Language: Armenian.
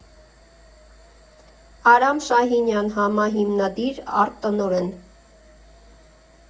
Արամ Շահինյան համահիմնադիր, արտ֊տնօրեն։